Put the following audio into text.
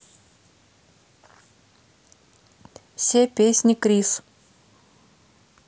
все песни крис